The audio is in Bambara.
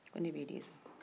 ko ne b'e deli sa